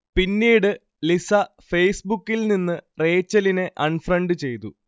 പിന്നീട് ലിസ ഫേസ്ബുക്കിൽനിന്ന് റേച്ചലിനെ അൺഫ്രണ്ട് ചെയ്തു